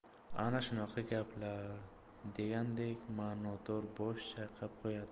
ana shunaqa gaplar degandek manodor bosh chayqab qo'yadi